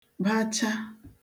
báchá